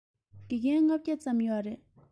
དགེ རྒན ༥༠༠ ཙམ ཡོད རེད